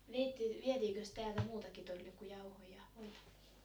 - vietiinkös täältä muutakin torille kuin jauhoja ja voita